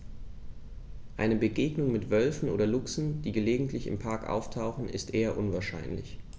Eine Begegnung mit Wölfen oder Luchsen, die gelegentlich im Park auftauchen, ist eher unwahrscheinlich.